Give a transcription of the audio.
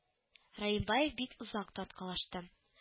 Раимбаев бик озак тарткалашты